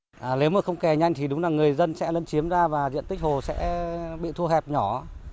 à nếu mà không kè nhanh thì đúng là người dân sẽ lấn chiếm ra và diện tích hồ sẽ bị thu hẹp nhỏ